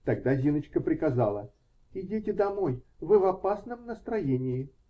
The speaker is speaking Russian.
Тогда Зиночка приказала: -- Идите домой, вы в опасном настроении.